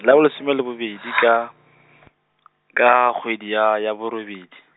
la bolesome le bobedi ka , ka kgwedi ya ya borobedi.